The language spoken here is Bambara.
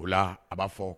O a b'a fɔ